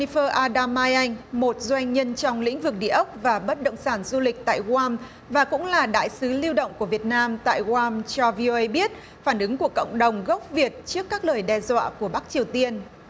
phơ a đam mai anh một doanh nhân trong lĩnh vực địa ốc và bất động sản du lịch tại gu am và cũng là đại sứ lưu động của việt nam tại gu am cho vi âu ây biết phản ứng của cộng đồng gốc việt trước các lời đe dọa của bắc triều tiên